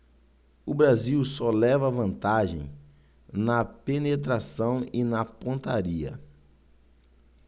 o brasil só leva vantagem na penetração e na pontaria